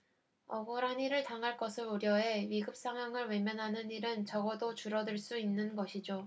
억울한 일을 당할 것을 우려해 위급상황을 외면하는 일은 적어도 줄어들 수 있는 것이죠